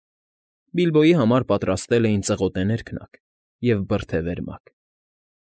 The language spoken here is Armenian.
Բիլբոյի համար պատրաստել էին ծղոտե ներքնակ և բրդե վերմակ։